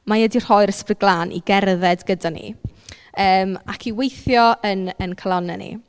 Mae e 'di rhoi'r ysbryd glân i gerdded gyda ni yym ac i weithio yn ein calonnau ni.